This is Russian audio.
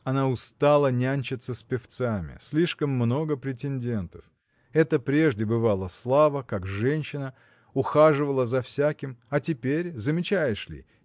– Она устала нянчиться с певцами: слишком много претендентов. Это прежде бывало слава как женщина ухаживала за всяким а теперь замечаешь ли?